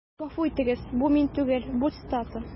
Гафу итегез, бу мин түгел, бу цитата.